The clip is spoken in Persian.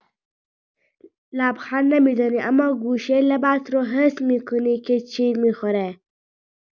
لبخند نمی‌زنی اما گوشۀ لبت رو حس می‌کنی که چین می‌خوره.